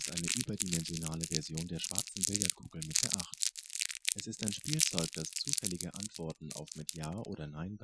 eine überdimensionale Version der schwarzen Billardkugel mit der 8. Es ist ein Spielzeug, das zufällige Antworten auf mit „ ja “oder „ nein